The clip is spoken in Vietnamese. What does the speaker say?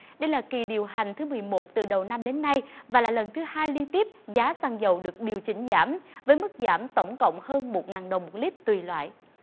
đây là kỳ điều hành thứ mười một từ đầu năm đến nay và là lần thứ hai liên tiếp giá xăng dầu được điều chỉnh giảm với mức giảm tổng cộng hơn một ngàn đồng một lít tùy loại